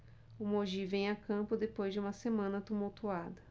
o mogi vem a campo depois de uma semana tumultuada